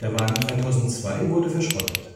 Der Wagen 3002 wurde verschrottet